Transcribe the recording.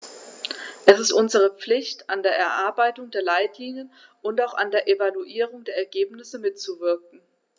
Es ist unsere Pflicht, an der Erarbeitung der Leitlinien und auch an der Evaluierung der Ergebnisse mitzuwirken.